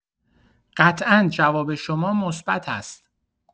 قطعا جواب شما مثبت است